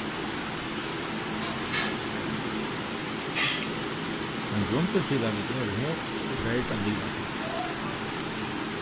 men grundin til at vit eru her er verd at liva fyri